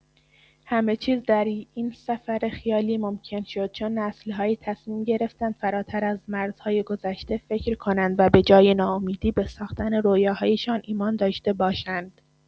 همه‌چیز در این سفر خیالی ممکن شد چون نسل‌هایی تصمیم گرفتند فراتر از مرزهای گذشته فکر کنند و به‌جای ناامیدی، به ساختن رویاهایشان ایمان داشته باشند.